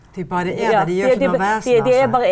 de bare er der de gjør ikke vesen av seg.